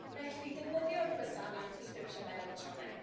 Felly, defnyddio'r gwasanaeth presgripsiynau electronig.